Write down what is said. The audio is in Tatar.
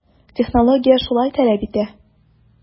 Технология шулай таләп итә.